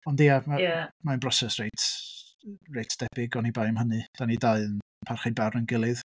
Ond ia, ma'... ia. ...mae'n broses reit reit debyg oni bai am hynny. Dan ni'n dau yn parchu barn ein gilydd.